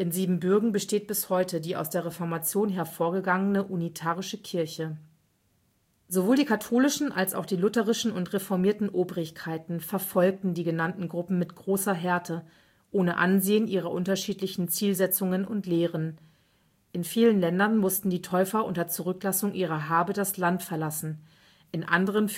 Siebenbürgen besteht bis heute die aus der Reformation hervorgegangene Unitarische Kirche. Sowohl die katholischen als auch die lutherischen und reformierten Obrigkeiten verfolgten die genannten Gruppen mit großer Härte – ohne Ansehen ihrer unterschiedlichen Zielsetzungen und Lehren. In vielen Ländern mussten die Täufer unter Zurücklassung ihrer Habe das Land verlassen, in anderen